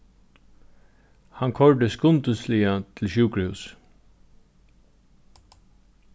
hann koyrdi skundisliga til sjúkrahúsið